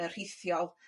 yy rhithiol